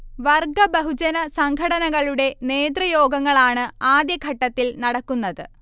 വർഗ ബഹുജന സംഘടനകളുടെ നേതൃയോഗങ്ങളാണ് ആദ്യഘട്ടത്തിൽ നടക്കുന്നത്